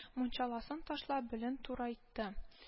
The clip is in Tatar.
Мунчаласын ташлап, белен турайтты